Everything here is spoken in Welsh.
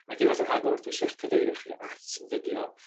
Ag unwaith yn rhagor dwi isie'ch cyfeirio chi at fideo